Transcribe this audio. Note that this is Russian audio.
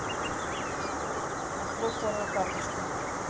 открой вторую карточку